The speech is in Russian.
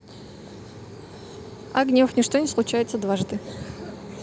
огнев ничто не случается дважды